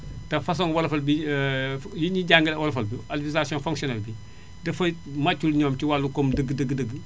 te façon wolofal bi yi ñuy jàngalee wolofal bi alphabétisation fonctionnelle bi dafa màccul ñoom ci wàllu kom dëgg dëgg dëgg